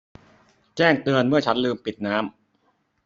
แจ้งเตือนเมื่อฉันลืมปิดน้ำ